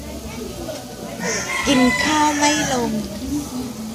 กินข้าวไม่ลง